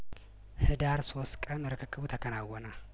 ህዳር ሶስት ቀን ርክክቡ ተከናወነ